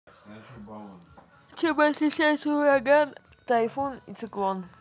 чем отличается ураган тайфун и циклон